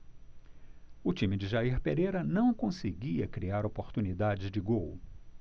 o time de jair pereira não conseguia criar oportunidades de gol